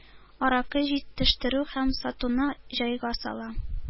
Аракы җитештерү һәм сатуны җайга сала